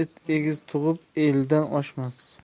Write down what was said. it egiz tug'ib eldan oshmas